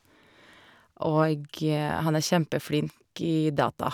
Og han er kjempeflink i data.